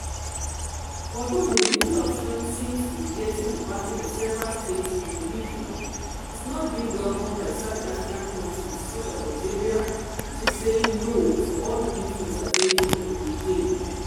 But though the military option seems to be getting the backing of several states in the region, it's not been welcomed by certain African countries, such as Algeria, which is saying ‘no’ to all military intervention in Niger.